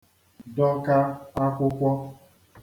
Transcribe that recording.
dọka akwụkwọ